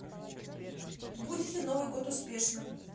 будет ли новый год успешным